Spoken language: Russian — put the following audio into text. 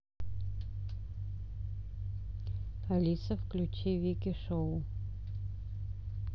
алиса включи вики шоу